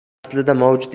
tarix aslida mavjud